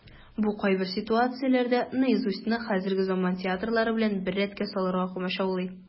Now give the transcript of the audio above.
Бу кайбер ситуацияләрдә "Наизусть"ны хәзерге заман театрылары белән бер рәткә салырга комачаулый.